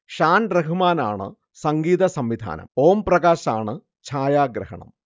ഷാൻ റഹ്മാനാണ് സംഗീതസംവിധാനം, ഓം പ്രകാശാണ് ഛായാഗ്രാഹണം